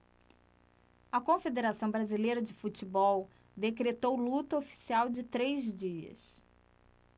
a confederação brasileira de futebol decretou luto oficial de três dias